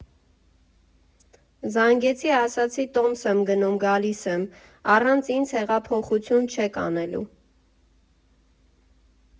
Զանգեցի, ասացի՝ տոմս եմ գնում, գալիս եմ, առանց ինձ հեղափոխություն չեք անելու։